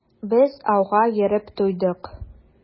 Без ауга йөреп туйдык.